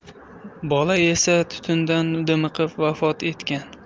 bola esa tutundan dimiqib vafot etgan